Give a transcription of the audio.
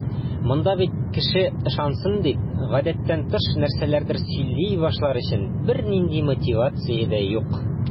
Монда бит кеше ышансын дип, гадәттән тыш нәрсәләрдер сөйли башлар өчен бернинди мотивация дә юк.